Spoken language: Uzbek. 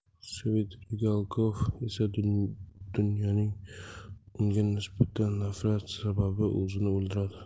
svidrigaylov esa dunyaning unga nisbatan nafrati sabab o'zini o'ldiradi